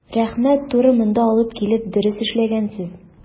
Рәхмәт, туры монда алып килеп дөрес эшләгәнсез.